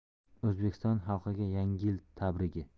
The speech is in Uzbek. o'zbekiston xalqiga yangi yil tabrigi